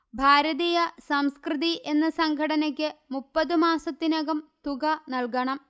ഭാരതീയ സംസ്കൃതി എന്ന സംഘടനയ്ക്ക് മുപ്പതു മാസത്തിനകം തുക നല്കണം